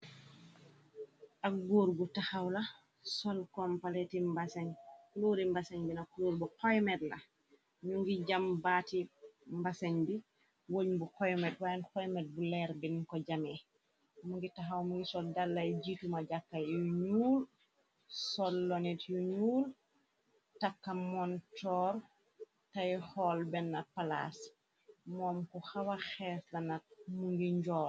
Ak guur gu taxaw la, sol kompaletiluuri mbaseñ, bina kuur bu xoymet la, ñu ngi jam baati mbaseñ bi woñ bu koymet wayen, xoymet bu leer bin ko jamee, mu ngi taxaw mngi sol dalay jiituma jàkka yu ñuul, sol lonit yu ñuul, takka montoor, tey xool benn palaas, moom ku xawa xees la nak mu ngi njool.